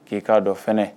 K'i k'a dɔn fana